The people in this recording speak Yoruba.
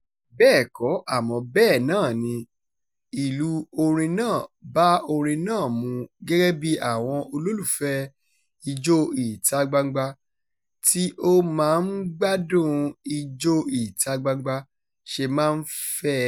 Bẹ́ẹ̀ kọ́, àmọ́ bẹ́ẹ̀ náà ni, ìlù orin náà ba orin náà mú gẹ́gẹ́ bí àwọn olólùfẹ́ẹ Ijó ìta-gbangba tí ó máa ń gbádùn un Ijó ìta-gbangba ṣe máa ń fẹ́ ẹ.